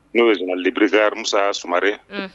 N'o ye génial de brigade Musa Sumare.